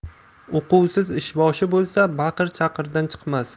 uquvsiz ishboshi bo'lsa baqir chaqirdan chiqmas